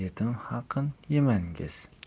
yetim haqin yemangiz